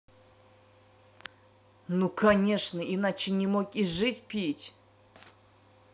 ну конечно иначе не мог и жить пить